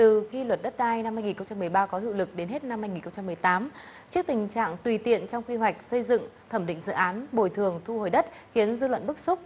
từ khi luật đất đai năm hai nghìn không trăm mười ba có hiệu lực đến hết năm hai nghìn không trăm mười tám trước tình trạng tùy tiện trong quy hoạch xây dựng thẩm định dự án bồi thường thu hồi đất khiến dư luận bức xúc